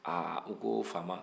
aa u ko faama